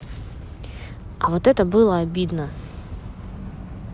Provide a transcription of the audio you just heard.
а вот это вот обидно было